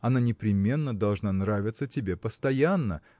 она непременно должна нравиться тебе постоянно